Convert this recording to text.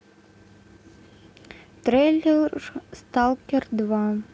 трейлер сталкер два